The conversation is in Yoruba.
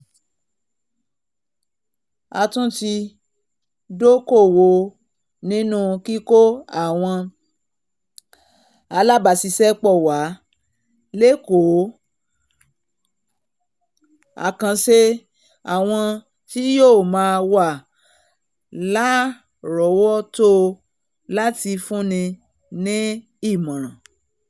A tún ti dókòòwò nínú kíkọ́ àwọn alábàṣiṣẹ́pọ̀ wa lẹ́kọ̀ọ́ àkànṣe àwọn tí yóò máa wà láàrọ́wọ́tó láti fúnni ni ímọ̀ràn.